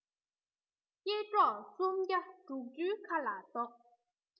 ཡེ འབྲོག སུམ བརྒྱ དྲུག ཅུའི ཁ ལ བཟློག